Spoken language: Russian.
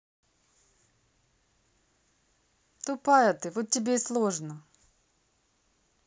тупая ты вот тебе и сложно